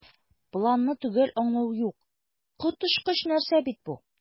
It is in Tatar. "планны төгәл аңлау юк, коточкыч нәрсә бит бу!"